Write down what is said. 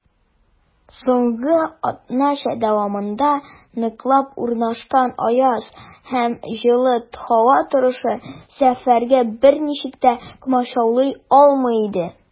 Соңгы атна дәвамында ныклап урнашкан аяз һәм җылы һава торышы сәфәргә берничек тә комачаулый алмый иде.